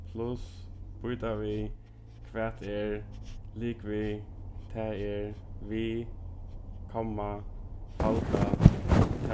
pluss býta við hvat er ligvið tað er við komma falda